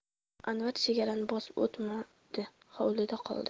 anvar chegarani bosib o'tmadi hovlida qoldi